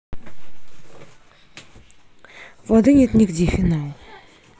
воды нет нигде финал